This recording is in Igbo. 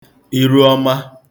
iruọma